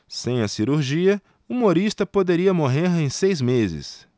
sem a cirurgia humorista poderia morrer em seis meses